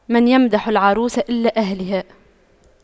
من يمدح العروس إلا أهلها